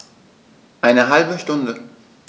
Eine halbe Stunde